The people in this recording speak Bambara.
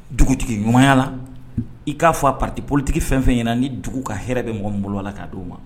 Dugutigiɲɔgɔnya la i k'a fɔ a pati politigi fɛn fɛn ɲɛna ni dugu ka hɛrɛ bɛ mɔgɔ n bolola la' di' ma